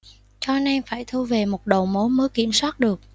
cho nên phải thu về một đầu mối mới kiểm soát được